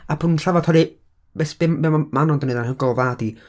A bo' nhw'n trafod oherwydd beth, be' ma' Manon 'di wneud yn anhygoel o dda 'di...